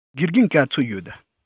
དགེ རྒན ག ཚོད ཡོད